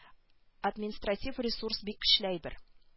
Административ ресурс бик көчле әйбер